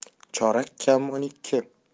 chorak kam o'n ikki